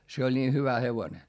se oli niin hyvä hevonen